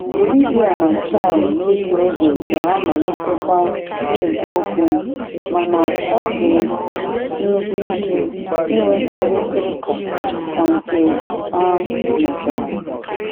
Bolivia na Chile n’otu oge ga-amalitekwa na ekwu okwu, mana ọ ga-esi nnukwu ike ịnwe mkparịta ụka ka nke a mechara.